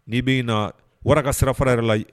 N'i bɛi na wara ka sira fara yɛrɛ la